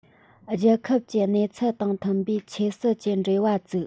རྒྱལ ཁབ ཀྱི གནས ཚུལ དང མཐུན པའི ཆོས སྲིད ཀྱི འབྲེལ བ བཙུགས